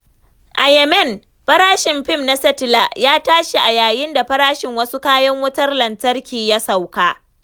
A Yemen farashin fin na sitefila ya tashi a yayin da farashin wasu kayan wutar lantarki ya sauka.